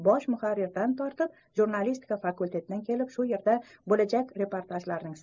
bosh muharrirdan tortib jurnalistika fakul'tetidan kelib shu yerda bo'lajak reportajlarning